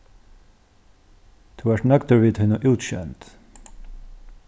tú ert nøgdur við tína útsjónd